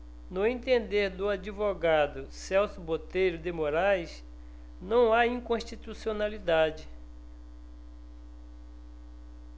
no entender do advogado celso botelho de moraes não há inconstitucionalidade